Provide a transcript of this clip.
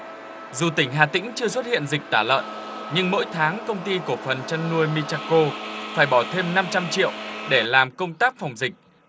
dù tỉnh hà tĩnh chưa xuất hiện dịch tả lợn nhưng mỗi tháng công ty cổ phần chăn nuôi mi cha cô phải bỏ thêm năm trăm triệu để làm công tác phòng dịch